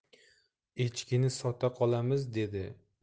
echkini sota qolamiz dedi